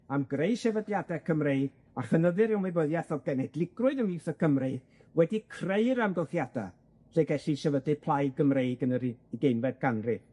am greu sefydliade Cymreig a chynyddu'r ymwybyddiath o genedligrwydd ymlith y Cymru wedi creu'r amgylchiada, lle gelli sefydlu plaid Gymreig yn yr u- ugeinfed ganrif.